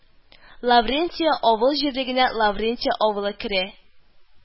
Лаврентия авыл җирлегенә Лаврентия авылы кере